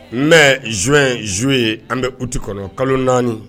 Mais zu zuo ye an bɛ uti kɔnɔ kalo naani